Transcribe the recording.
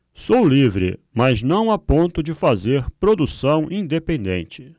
sou livre mas não a ponto de fazer produção independente